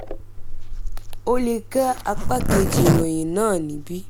O leè ká apá kejì ìròyìn náà níbí.